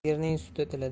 sigirning suti tilida